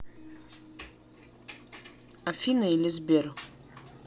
афина или сбер